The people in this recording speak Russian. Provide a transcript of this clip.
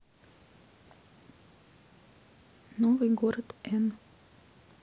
новый город n